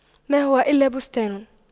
ما هو إلا بستان